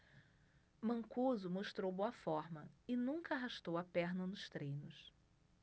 mancuso mostrou boa forma e nunca arrastou a perna nos treinos